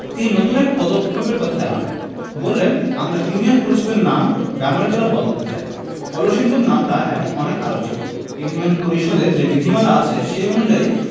তিনি নতুন এক পদক্ষেপের কথা জানালেন বললেন আমরা ইউনিয়ন পরিষদের নাম গামারিতলা বদলাতে চাই কলসিন্দুর নামটা এখন অনেক আলোচিত ইউনিয়ন পরিষদের যে বিধিমালা আছে সে অনুযায়ী